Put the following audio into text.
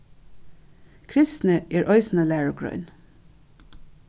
kristni er eisini lærugrein